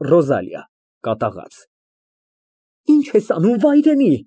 ՌՈԶԱԼԻԱ ֊ (Կատաղած)։ Ի՞նչ ես անում, վայրենի։